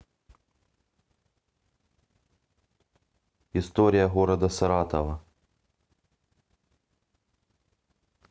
история города саратова